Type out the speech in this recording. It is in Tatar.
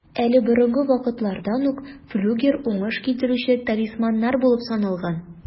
Әле борынгы вакытлардан ук флюгер уңыш китерүче талисманнар булып саналган.